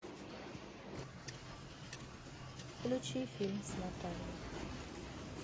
включи фильмы с натальей